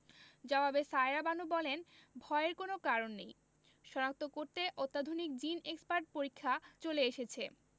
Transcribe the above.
জবাবে সায়েরা বানু বলেন ভয়ের কোনো কারণ নেই কারণ শনাক্ত করতে অত্যাধুনিক জিন এক্সপার্ট পরীক্ষা চলে এসেছে